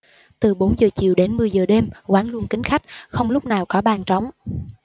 từ bốn giờ chiều đến mười giờ đêm quán luôn kín khách không lúc nào có bàn trống